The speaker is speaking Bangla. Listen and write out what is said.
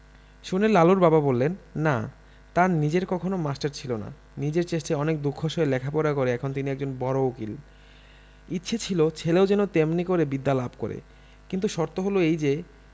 শুনে লালুর বাবা বললেন না তাঁর নিজের কখনো মাস্টার ছিল না নিজের চেষ্টায় অনেক দুঃখ সয়ে লেখাপড়া করে এখন তিনি একজন বড় উকিল ইচ্ছে ছিল ছেলেও যেন তেমনি করেই বিদ্যা লাভ করে কিন্তু শর্ত হলো এই যে